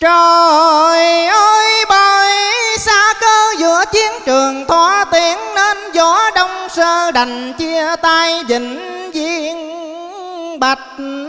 trời ơi bởi xa cơ giữa chiến trường thọ tiễn nên võ đông sơn đành chia tay viễn vĩnh bạch